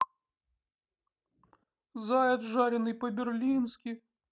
заяц жареный по берлински